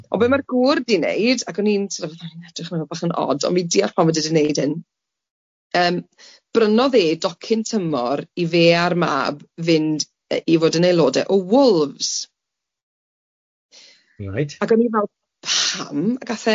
ond be ma'r gŵr 'di neud ac o'n i'n sort of yn edrych arno fo bach yn od ond fi'n deall pam bod e 'di neud hyn yym brynodd e docyn tymor i fe a'r mab fynd yy i fod yn aelode o Wolves... Reit... ac o'n i'n meddwl 'pam?' ac a'th e